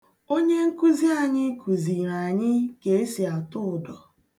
Onyenkụzi anyị kụziiri anyị ka esi atụ ụdọ.